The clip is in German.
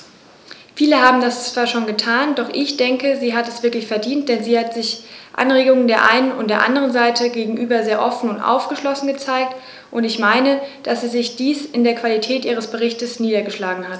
Viele haben das zwar schon getan, doch ich denke, sie hat es wirklich verdient, denn sie hat sich Anregungen der einen und anderen Seite gegenüber sehr offen und aufgeschlossen gezeigt, und ich meine, dass sich dies in der Qualität ihres Berichts niedergeschlagen hat.